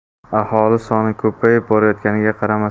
aholi soni ko'payib borayotganiga